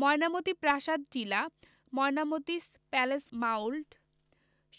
ময়নামতী প্রাসাদ টিলা ময়নামতিস প্যালেস মাওনল্ড